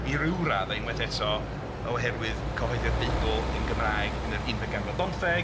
I ryw raddau unwaith eto oherwydd cyhoeddi'r Beibl yn Gymraeg yn yr unfed ganrif ar bymtheg.